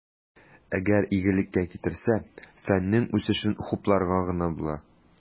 Әгәр игелеккә китерсә, фәннең үсешен хупларга гына була.